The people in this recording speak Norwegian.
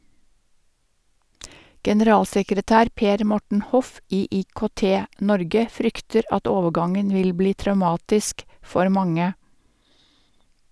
Generalsekretær Per Morten Hoff i IKT-Norge frykter at overgangen vil bli traumatisk for mange.